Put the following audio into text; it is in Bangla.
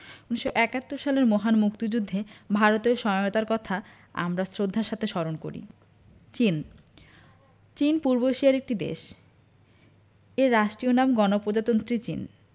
১৯৭১ সালের মহান মুক্তিযুদ্ধে ভারতের সহায়তার কথা আমরা শ্রদ্ধার সাথে স্মরণ করি চীনঃ চীন পূর্ব এশিয়ার একটি দেশ এর রাষ্ট্রীয় নাম গণপ্রজাতন্ত্রী চীন